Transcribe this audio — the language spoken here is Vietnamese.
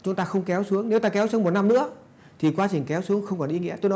chúng ta không kéo xuống nếu ta kéo xuống một năm nữa thì quá trình kéo xuống không còn ý nghĩa tôi